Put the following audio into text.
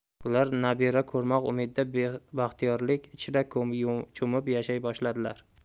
ular nabira ko'rmoq umidida baxtiyorlik ichra cho'mib yashay boshladilar